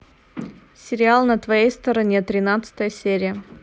сериал на твоей стороне тринадцатая серия